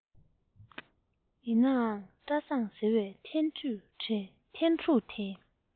ཡིན ཡང བཀྲ བཟང ཟེར བའི ཐན ཕྲུག དེས